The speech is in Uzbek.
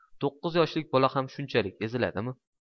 to'qqiz yoshlik bola ham shunchalik eziladimi